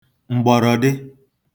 m̀gbọ̀rọ̀dị